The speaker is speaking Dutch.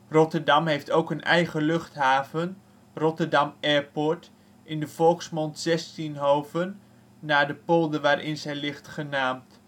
Rotterdam heeft ook een eigen luchthaven: Rotterdam Airport, in de wandeling Zestienhoven - naar de polder waarin zij ligt - genaamd